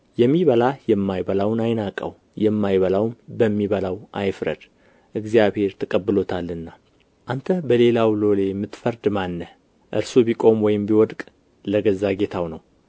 የሚበላ የማይበላውን አይናቀው የማይበላውም በሚበላው አይፍረድ እግዚአብሔር ተቀብሎታልና አንተ በሌላው ሎሌ የምትፈርድ ማን ነህ እርሱ ቢቆም ወይም ቢወድቅ ለገዛ ጌታው ነው